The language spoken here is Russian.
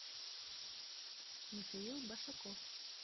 михаил башаков